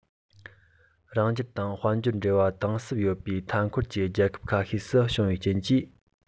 རང རྒྱལ དང དཔལ འབྱོར འབྲེལ བ དམ ཟབ ཡོད པའི མཐའ འཁོར གྱི རྒྱལ ཁབ ཁ ཤས སུ བྱུང བའི རྐྱེན གྱིས